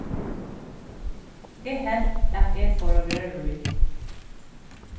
eg helt at eg fór at verða rík